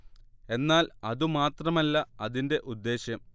എന്നാൽ അതു മാത്രമല്ല അതിന്റെ ഉദ്ദേശ്യം